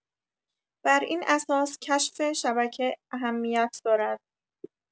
بر این اساس کشف شبکه اهمیت دارد.